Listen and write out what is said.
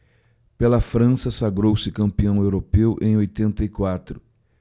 pela frança sagrou-se campeão europeu em oitenta e quatro